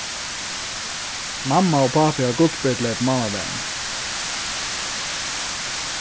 mamma og pápi hava gullbrúdleyp mánadagin